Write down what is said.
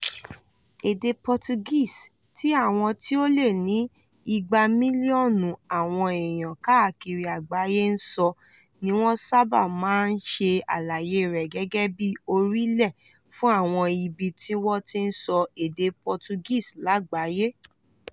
Èdè Portuguese, tí àwọn tí ó lé ní 200 mílíọ̀nù àwọn èèyàn káàkiri àgbáyé ń sọ, ní wọ́n sábà máa ń ṣe àlàyé rẹ̀ gẹ́gẹ́ bíi "orílẹ̀" fún àwọn ibi tí wọ́n ti ń sọ èdè Portuguese lágbàáyé.